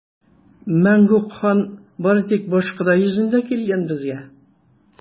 Мәңгүк хан бары тик башкода йөзендә килгән безгә!